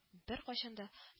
Беркайчан да